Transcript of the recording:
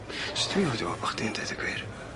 Sut dwi fod i wbo bo' chdi'n deud y gwir.